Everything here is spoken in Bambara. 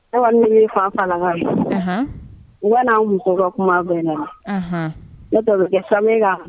Ne miniri fa fakan n bɛna n mɔgɔ kuma bɛna netɔ kɛ sami la